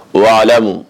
Waramu